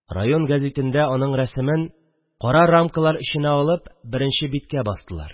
Район гәзитендә аның рәсемен кара рамкалар эченә алып беренче биткә бастылар